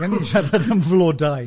Gawn ni siarad am flodau.